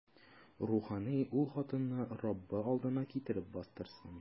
Рухани ул хатынны Раббы алдына китереп бастырсын.